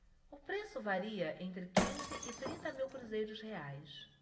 o preço varia entre quinze e trinta mil cruzeiros reais